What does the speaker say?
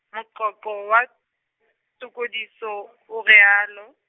moqoqo wa, tokodiso, o realo.